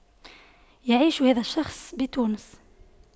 يعيش هذا الشخص بتونس